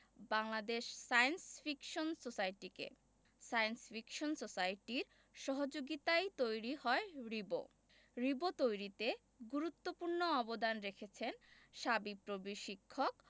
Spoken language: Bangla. বাংলাদেশ সায়েন্স ফিকশন সোসাইটিকে সায়েন্স ফিকশন সোসাইটির সহযোগিতায়ই তৈরি হয় রিবো রিবো তৈরিতে গুরুত্বপূর্ণ অবদান রেখেছেন শাবিপ্রবির শিক্ষক